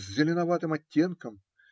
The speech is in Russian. С зеленоватым оттенком.